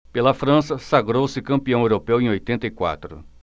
pela frança sagrou-se campeão europeu em oitenta e quatro